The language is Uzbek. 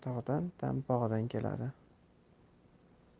tog'dan dam bog'dan keladi